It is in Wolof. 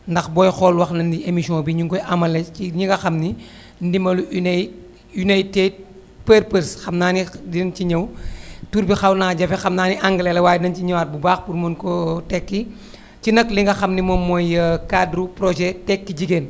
ndax booy xool wax nañu ni émission bi ñu ngi koy amalee ci ñi nga xam ne ndimbalu Uni United purpose xam naa ne dinañu ci ñëw tur bi xaw naa jafe xam naa ne anglais la waaye nañu si ñëwaat bu baax pour mën koo tekki ci nag li nga xam ne moom mooy cadre projet tekki jigéen